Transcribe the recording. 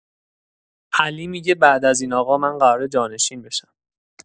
علی می‌گه بعد از این آقا، من قراره جانشین بشم.